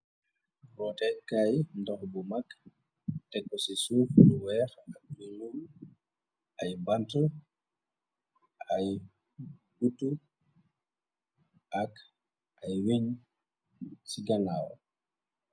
Rotekaay ndox bu mag, te ko ci suuf bu weex, ak bu ñuul, ay bante, ay gutu, ak ay wiñ ci gannaawam.